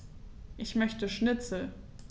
Ich möchte Schnitzel.